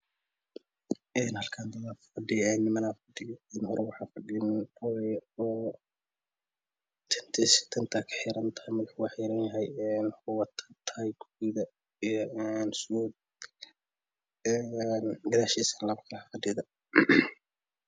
Halkaan dadaa fadhiya nimanaa fadhiya. Hora waxaa fadhiya nin tinta kaxiiran yahay waxuu wataa taay gaduud ah iyo suud gadaashiisana waxaa fadhiya dad.